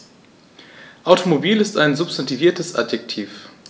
Automobil ist ein substantiviertes Adjektiv.